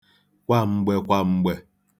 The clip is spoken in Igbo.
kwàm̀gbè kwàm̀gbè